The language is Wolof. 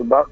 waaw